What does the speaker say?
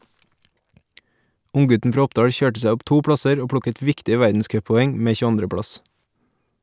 Unggutten fra Oppdal kjørte seg opp to plasser og plukket viktige verdenscuppoeng med 22. plass.